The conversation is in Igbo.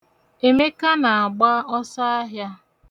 Emeka na-agba ọsọahịa.